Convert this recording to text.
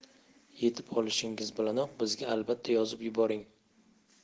yetib olishingiz bilanoq bizga albatta yozib yuboring